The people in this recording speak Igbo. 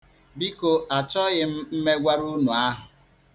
Biko achọghị m mmegwara unu ahụ.